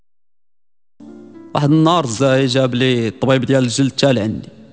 النهار ده جاب لي